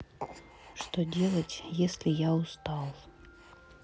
что делать если я устал